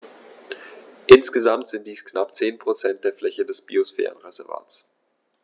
Insgesamt sind dies knapp 10 % der Fläche des Biosphärenreservates.